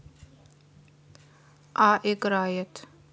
а играет